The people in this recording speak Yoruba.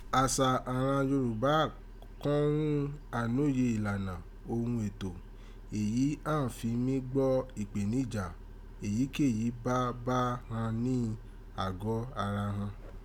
Asa àghan Yoruba kọ́n ghún àìnóye ilana òghun ètò èyí àn án fi mí gbọ ipenija eyikeyi ba ba ghan ni àgọ́ ara ghan.